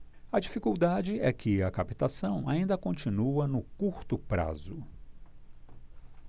a dificuldade é que a captação ainda continua no curto prazo